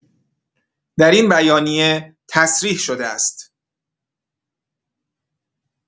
در این بیانیه تصریح‌شده است